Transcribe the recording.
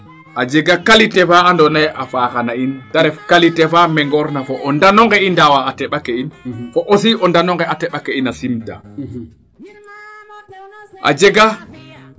a jega qualité faa ando naye a faaxa na in te ref qualité faa mbengeer na fo o ndano nge o ndaawa a teɓake in fo aussi o ndano nge a teɓa ke in a simdaa a jega